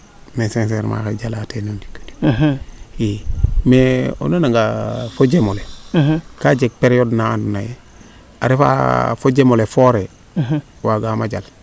mais sincerement oxey jala teen o ndik i mais o nana nga fojemole kaa jeg periode naa ando naye a refa fojemole foore waga mo jal